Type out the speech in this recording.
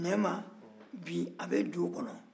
nɛma bi a bɛ do kɔnɔ